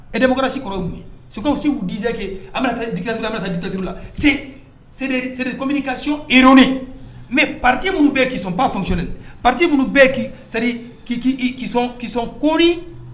E démocratie kɔrɔ ye mun je? c'est comme si vous ddisiez que an be na taa dictature la C'est des communications u. Ironés. mais parti munun be yen qui ne sont pas fonctionnels parti a parti minnu be yen c'est à dire qui sont connus